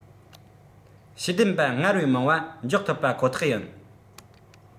ཤེས ལྡན པ སྔར བས མང བ འཇོག ཐུབ པ ཁོ ཐག ཡིན